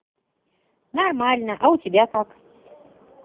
нормально а у тебя как